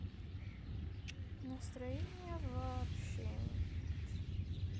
настроения вообще нет